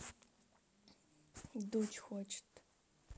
дудь хочет